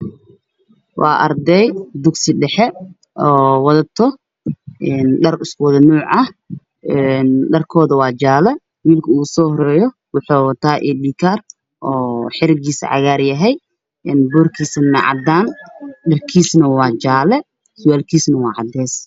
Waa arday dugsi dhexe oo wadato dhar isku wada nuuc ah waa jaale, wiilka ugu soo horeeyo waxuu wataa iydhi kar oo xigiisa waa cagaar boorkiisana waa cadaan dharkiisana waa jaale.